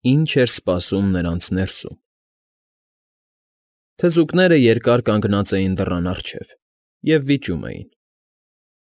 Ի՞ՆՉ ԷՐ ՍՊԱՍՈՒՄ ՆՐԱՆՑ ՆԵՐՍՈՒՄ Թզուկները երկար կանգնել էին դռան առջև և վիճում էին։